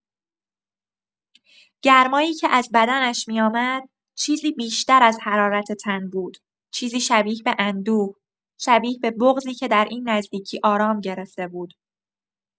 گرمایی که از بدنش می‌آمد، چیزی بیشتر از حرارت تن بود، چیزی شبیه به اندوه، شبیه به بغضی که در این نزدیکی آرام گرفته بود.